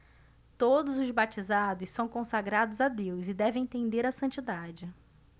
todos os batizados são consagrados a deus e devem tender à santidade